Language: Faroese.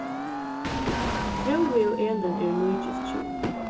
fróði og elin eru nýgift hjún